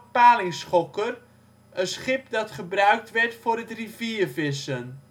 een schip dat gebruikt werd voor het riviervissen